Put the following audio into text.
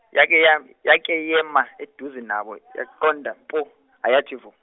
yake yame, yaka yema eduze nabo, yaqonda mpo, ayathi vu.